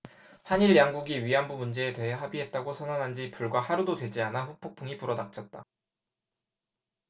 한일 양국이 위안부 문제에 대해 합의했다고 선언한 지 불과 하루도 되지 않아 후폭풍이 불어 닥쳤다